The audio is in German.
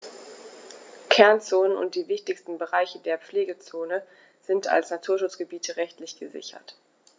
Kernzonen und die wichtigsten Bereiche der Pflegezone sind als Naturschutzgebiete rechtlich gesichert.